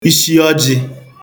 ishiọjị̄